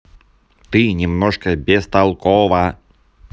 ты немножко бестолкова